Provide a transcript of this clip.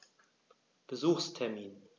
Besuchstermin